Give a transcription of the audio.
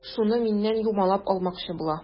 Шуны миннән юмалап алмакчы була.